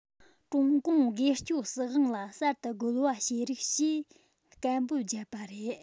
ཀྲུང གུང སྒེར གཅོད སྲིད དབང ལ གསར དུ རྒོལ བ བྱེད རིགས ཞེས སྐད འབོད བརྒྱབ པ རེད